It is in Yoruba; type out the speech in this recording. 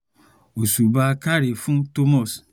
Òṣùbà káre fún Thomas.